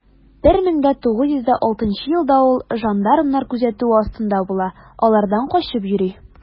1906 елда ул жандармнар күзәтүе астында була, алардан качып йөри.